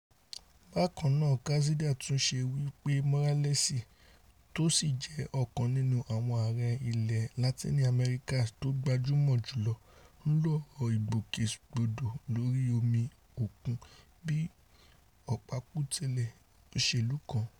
Bákannáà Calzadilla tún ṣẹ́ wí pé Morales - tó sí jẹ ọ̀kan nínú àwọn ààrẹ̀ ilẹ Latinni Amẹ́ríkà tó gbajúmọ̀ jùlọ - ńlo ọ̀rọ̀ ìgbòke-gbodò lórí omi òkun bí ọ̀pákùtẹ̀lẹ̀ òṣèlú kan.